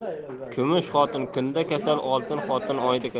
kumush xotin kunda kasal oltin xotin oyda kasal